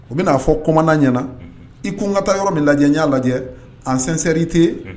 U bɛ'a fɔ koman ɲɛnaana i ko n ka taa yɔrɔ min lajɛ n y'a lajɛ an sensɛri tɛ